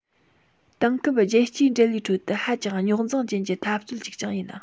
དེང སྐབས རྒྱལ སྤྱིའི འབྲེལ བའི ཁྲོད དུ ཧ ཅང རྙོག འཛིང ཅན གྱི འཐབ རྩོད ཅིག ཀྱང ཡིན